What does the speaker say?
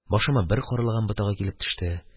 Башыма бер карлыган ботагы килеп төште.